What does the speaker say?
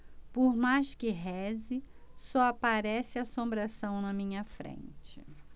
por mais que reze só aparece assombração na minha frente